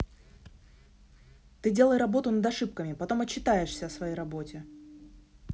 ты делай работу над ошибками потом отчитаешься о своей работе